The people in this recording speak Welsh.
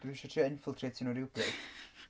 Dwi isio trio inffiltreitio nhw rywbryd.